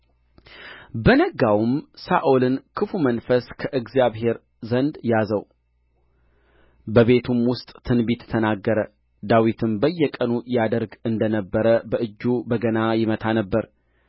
በነጋውም ሳኦልን ክፉ መንፈስ ከእግዚአብሔር ዘንድ ያዘው በቤቱም ውስጥ ትንቢት ተናገረ ዳዊትም በየቀኑ ያደርግ እንደ ነበረ በእጁ በገና ይመታ ነበር